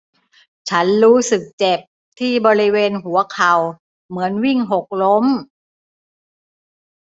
ฉันรู้สึกเจ็บที่บริเวณหัวเข่าเหมือนวิ่งหกล้ม